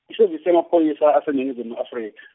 iSevisi yamaPhoyisa aseNingizimu Afrika.